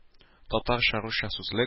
Татарча-русча сүзлек